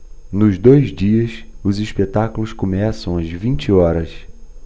nos dois dias os espetáculos começam às vinte horas